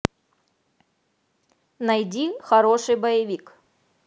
найди хороший боевик